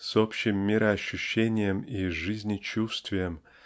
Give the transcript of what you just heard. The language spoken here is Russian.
с общим мироощущением и жизнечувствием